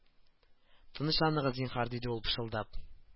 Тынычланыгыз зинһар диде ул пышылдап